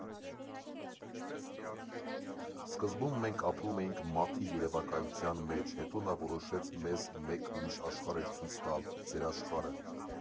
Սկզբում մենք ապրում էինք Մաթի երևակայության մեջ, հետո նա որոշեց մեզ մեկ ուրիշ աշխարհ էլ ցույց տալ՝ ձերաշխարհը։